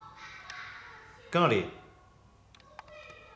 གང རེད